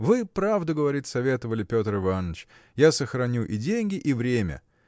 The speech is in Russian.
Вы правду, говорит, советовали, Петр Иваныч. Я сохраню и деньги и время!